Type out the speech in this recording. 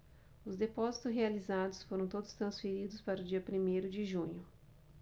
os depósitos realizados foram todos transferidos para o dia primeiro de junho